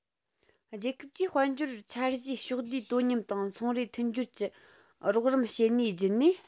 རྒྱལ ཁབ ཀྱིས དཔལ འབྱོར འཆར གཞིའི ཕྱོགས བསྡུས དོ མཉམ དང ཚོང རའི མཐུན སྦྱོར གྱི རོགས རམ བྱེད ནུས བརྒྱུད ནས